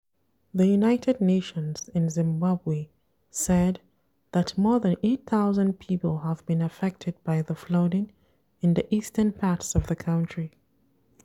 The United Nations in Zimbabwe said that more than 8,000 people have been affected by the flooding in the eastern parts of the country.